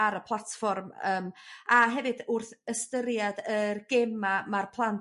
ar y platfform yym a hefyd wrth ystyried yr gema ma'r plant